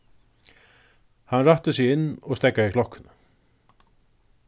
hann rætti seg inn og steðgaði klokkuni